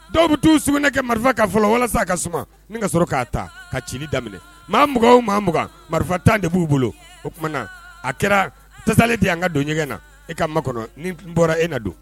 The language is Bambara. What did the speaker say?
Dɔw bɛ taau sugunɛ kɛ marifa ka fɔlɔ walasa ka suma ni ka sɔrɔ k'a ta ka ci daminɛ maa mugan maa mugan marifa tan de b'u bolo o a kɛra tasalen de yan an ka don ɲɔgɔngɛn na e ka ma kɔnɔ ni n bɔra e na don